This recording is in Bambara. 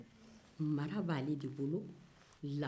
mara b'ale de bolo lamɔ